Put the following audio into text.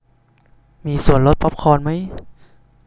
มีส่วนลดป๊อปคอร์นมั้ย